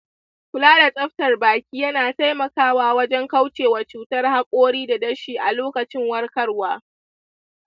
kula da tsaftar baki yana taimakawa wajen kauce wa cutar haƙori da dashi a lokacin warkarwa.